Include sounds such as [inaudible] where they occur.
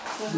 [hesitation] [hesitation]